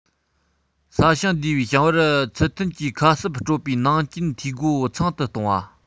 ས ཞིང བསྡུས པའི ཞིང པར ཚུལ མཐུན གྱིས ཁ གསབ སྤྲོད པའི ནང རྐྱེན འཐུས སྒོ ཚང དུ གཏོང བ